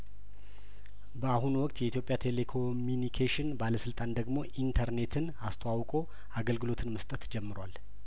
በአሁኑ ወቅት የኢትዮጵያ ቴሌኮሚኒኬሽን ባለስልጣን ደግሞ ኢንተርኔትን አስተዋውቆ አገልግሎትን መስጠት ጀምሯል